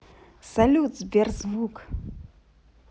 салют сберзвук